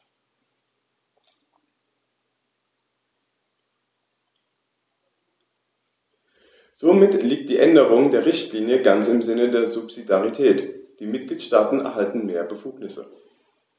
Somit liegt die Änderung der Richtlinie ganz im Sinne der Subsidiarität; die Mitgliedstaaten erhalten mehr Befugnisse.